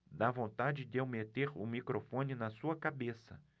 dá vontade de eu meter o microfone na sua cabeça